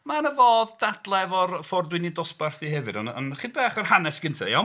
Mae 'na fodd dadlau efo'r ffordd dwi'n eu dosbarthu hefyd ond... ond chydig bach o'r hanes gyntaf, iawn?